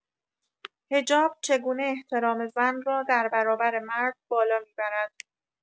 حجاب چگونه احترام زن را در برابر مرد بالا می‌برد؟